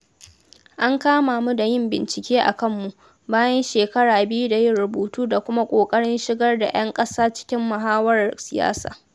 An kama mu da yin bincike a kanmu, bayan shekara biyu da yin rubutu da kuma ƙoƙarin shigar da 'yan ƙasa cikin muhawarar siyasa.